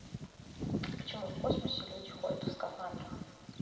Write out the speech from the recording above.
почему в космосе люди ходят в скафандрах